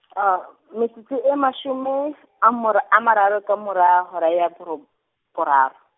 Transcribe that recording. metsotso e mashome , a mora- a mararo ka mora, hora ya borob-, boraro.